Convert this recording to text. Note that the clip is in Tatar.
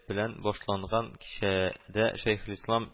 Белән башланган кичәдә шәйхелислам